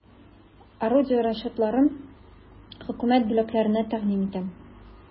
Орудие расчетларын хөкүмәт бүләкләренә тәкъдим итәм.